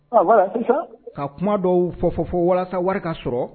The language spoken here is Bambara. Walla sisan ka kuma dɔw fɔ fɔ walasa wari ka sɔrɔ